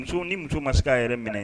Muso ni muso ma se k'a yɛrɛ minɛ